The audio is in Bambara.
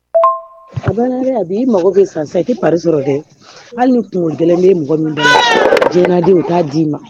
A bɛ i mago kɛ san pa sɔrɔ hali tun gɛlɛn bɛ mɔgɔ min jdenw u k'a d i ma